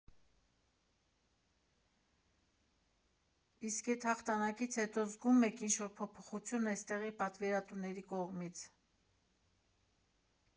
Իսկ էդ հաղթանակից հետո զգում ե՞ք ինչ֊որ փոփոխություն էստեղի պատվիրատուների կողմից։